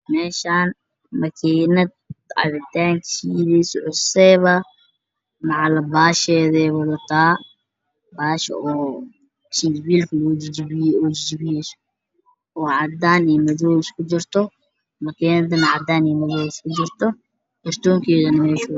Meeshaan waxaa yaalo makiinad cabitaanka lugu shiito iyo bahasha waxa qalalan lugu jajabiyo cadaan iyo madow iskugu jirto, makiinada waa cadaan iyo madow, kartoonkeedana meesha uu yaalo.